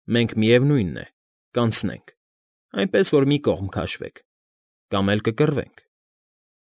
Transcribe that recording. Մենք, միևնույն է, կանցնենք, այնպես որ մի կողմ քաշվեք, կամ էլ կկռվենք»։